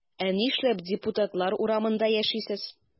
Ә нишләп депутатлар урамында яшисез?